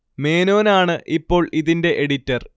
മേനോനാണ് ഇപ്പോൾ ഇതിന്റെ എഡിറ്റർ